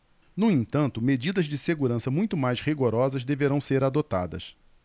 no entanto medidas de segurança muito mais rigorosas deverão ser adotadas